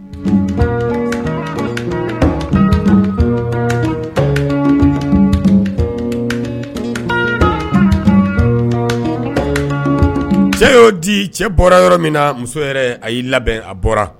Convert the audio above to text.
Cɛ y'o di cɛ bɔra yɔrɔ min na muso yɛrɛ a y'i labɛn a bɔra